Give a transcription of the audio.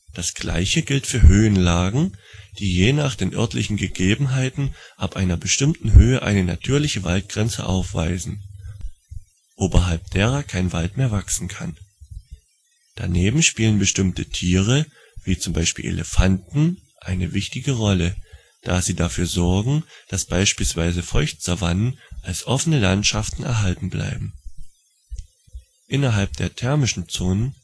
Das Gleiche gilt für Höhenlagen, die je nach den örtlichen Gegebenheiten ab einer bestimmten Höhe eine natürliche Waldgrenze aufweisen, oberhalb derer kein Wald mehr wachsen kann. Daneben spielen bestimmte Tiere, zum Beispiel Elefanten eine wichtige Rolle, da sie dafür sorgen, das beispielsweise Feuchtsavannen als offene Landschaften erhalten bleiben. Innerhalb der thermischen Zonen